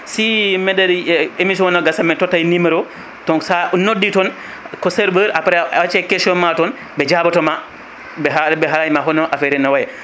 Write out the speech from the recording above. si me daari émission o no gassa mi tottay numéro o donc sa noddi toon ko serveur après a accay question ma toon ɓe jabotoma ɓe haali ɓe haalanma hono affaire ni way